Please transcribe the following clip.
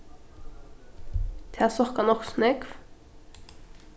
tað sokkar nokk so nógv